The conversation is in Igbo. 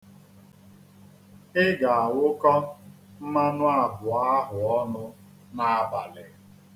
Ị ga-awụkọ mmanụ abụọ ahụ ọnụ n'abalị.